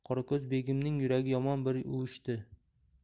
qorako'z begimning yuragi yomon bir uvushdi